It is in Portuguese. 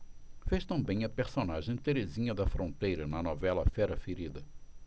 fez também a personagem terezinha da fronteira na novela fera ferida